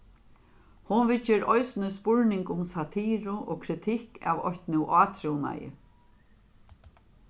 hon viðger eisini spurning um satiru og kritikk av eitt nú átrúnaði